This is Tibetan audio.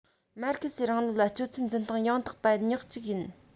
མར ཁེ སིའི རིང ལུགས ལ སྤྱོད ཚུལ འཛིན སྟངས ཡང དག པ ཉག གཅིག ཡིན